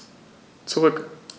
Zurück.